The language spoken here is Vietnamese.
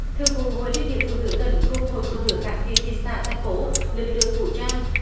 thường vụ hội liên hiệp phụ nữ tỉnh cùng hội phụ nữ các huyện thị xã thành phố lực lượng vũ trang